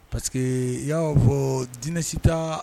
Parce i y'a'a fɔ dinɛsi tɛ